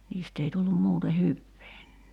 niistä ei tullut muuten hyvää